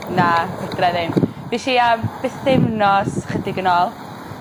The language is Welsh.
Na fedrai ddim. f'esh i am bythefnos chydig yn ôl...